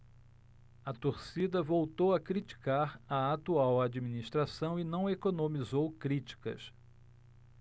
a torcida voltou a criticar a atual administração e não economizou críticas